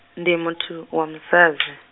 ndi muthu wa musadzi.